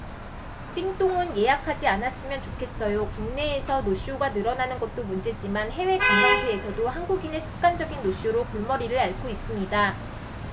띵똥은 예약하지 않았으면 좋겠어요국내에서 노쇼가 늘어나는 것도 문제지만 해외 관광지에서도 한국인의 습관적인 노쇼로 골머리를 앓고 있습니다